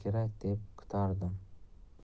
kerak deb kutardim